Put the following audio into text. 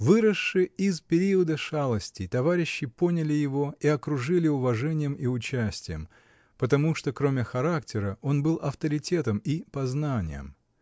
Выросши из периода шалостей, товарищи поняли его и окружили уважением и участием, потому что, кроме характера, он был авторитетом и по знаниям.